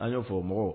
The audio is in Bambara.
Ala y'o fɔ mɔgɔ